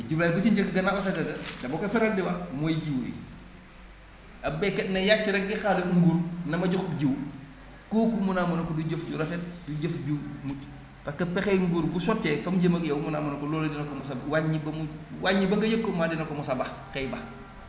te jubluwaay lu si njëkk gannaaw * dama koy faral di wax mooy jiwu bi ab baykat ne yàcc rekk di xaar nguur na ma jox jiwu kooku mu ne ah ma ne ko du jëf ju rafet du jëf ju mucc parce que pexey nguur bu sottee fa mu jëm ak yow mu ne ah ma ne ko loolu dina ko mos a wàññi ba mu wàññi ba nga yëg ko mu ne ah dina ko mos a ba xëy ba